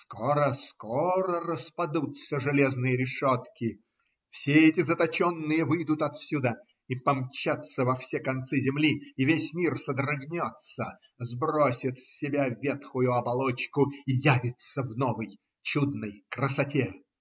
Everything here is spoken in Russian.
Скоро, скоро распадутся железные решетки, все эти заточенные выйдут отсюда и помчатся во все концы земли, и весь мир содрогнется, сбросит с себя ветхую оболочку и явится в новой, чудной красоте.